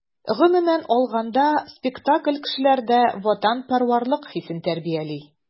Гомумән алганда, спектакль кешеләрдә ватанпәрвәрлек хисен тәрбияли.